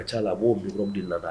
A ca a b'o bin deli nana